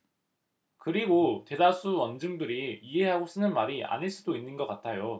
그리고 대다수 언중들이 이해하고 쓰는 말이 아닐 수도 있는 것 같아요